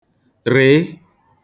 rị̀ị